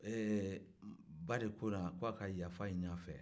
ba de k'o la ka ka yafa ɲin'a fɛ